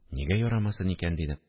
– нигә ярамасын икән? – дидем